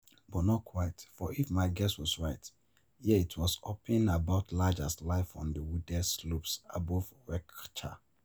But not quite, for if my guess was right, here it was hopping about large as life on the wooded slopes above Rekcha.